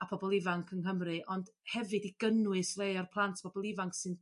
a pobol ifanc yng Nghymru ond hefyd i gynnwys rei o'r plant pobol ifanc sy'n